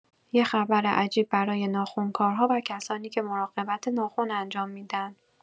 یه خبر عجیب برای ناخن‌کارها و کسانی که مراقبت ناخن انجام می‌دن!